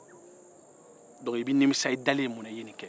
i bɛ nimisa i dalen munna i ye nin kɛ